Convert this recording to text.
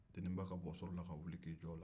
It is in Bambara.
deniba ka buwɔ sɔrɔ la ka wuli k'i jɔ o la